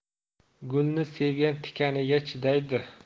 gulni sevgan tikaniga chidaydi